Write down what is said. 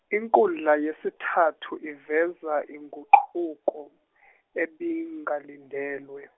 inkundla yesithathu iveza inguquko ebingalindelwe.